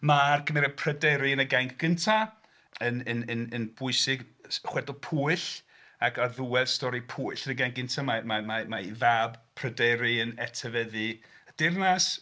Mae'r cymeriad Pryderi yn y gainc gyntaf yn... yn... yn... yn bwysig, chwedl Pwyll, ac ar ddiwedd stori Pwyll yn y gainc gyntaf mae... mae... mae... mae ei fab, Pryderi, yn etifeddu y deyrnas.